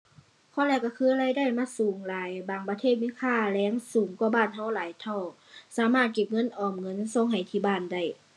ข้อแรกก็คือรายได้มันสูงหลาย บางประเทศมีค่าแรงสูงกว่าบ้านก็หลายเท่า สามารถเก็บเงินออมเงินส่งให้ที่บ้านได้